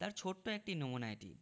তার ছোট্ট একটা নমুনা এটি